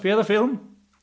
Be oedd y ffilm?